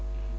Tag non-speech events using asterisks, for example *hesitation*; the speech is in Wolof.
*hesitation*